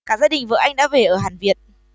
cả gia đình vợ anh đã về ở hẳn việt